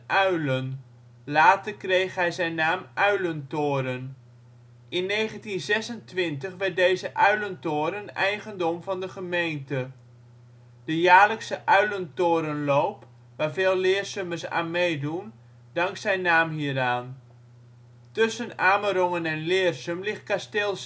uilen, later kreeg hij zijn naam Uilentoren. In 1926 werd deze uilentoren eigendom van de gemeente. De jaarlijkse uilentorenloop (waar veel Leersummers aan meedoen), dankt zijn naam hieraan. Tussen Amerongen en Leersum ligt kasteel